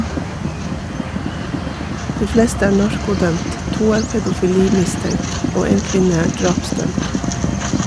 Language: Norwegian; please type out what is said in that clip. De fleste er narkodømt, to er pedofili-mistenkt og en kvinne er drapsdømt.